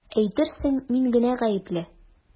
Әйтерсең мин генә гаепле!